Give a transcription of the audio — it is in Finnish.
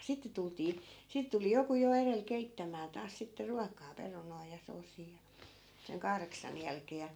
sitten tultiin sitä tuli joku jo edellä keittämään taas sitten ruokaa perunoita ja soosia ja sen kahdeksan jälkeen ja